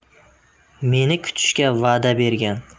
meni kutishga vada bergan